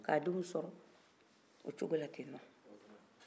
ka denw sɔrɔ o coko la ten nɔn